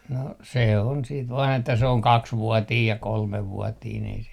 no se on sitten vain että se on kaksivuotinen ja kolmevuotinen ei se